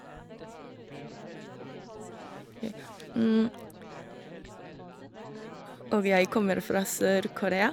jeg og jeg kommer fra Sør-Korea.